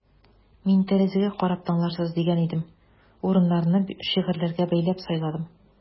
Мин тәрәзәгә карап тыңларсыз дигән идем: урыннарны шигырьләргә бәйләп сайладым.